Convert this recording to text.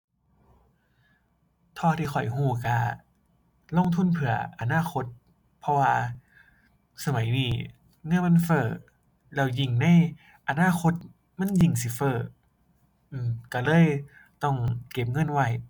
เท่าที่ข้อยรู้รู้ลงทุนเพื่ออนาคต เพราะว่า สมัยนี้เงินมันเฟ้อ แล้วยิ่งในอนาคตมันยิ่งสิเฟ้อ อืม รู้เลยต้องเก็บเงินไว้